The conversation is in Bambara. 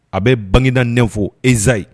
A bɛ bangegna n fɔ nzayi